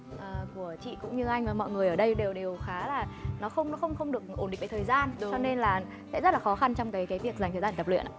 ờ của chị cũng như anh và mọi người ở đây đều đều khá là nó không nó không không được ổn định về thời gian cho nên là sẽ rất là khó khăn trong cái cái việc dành thời gian tập luyện ạ